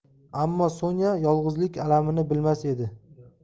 ammo sonya yolg'izlik alamini bilmas edi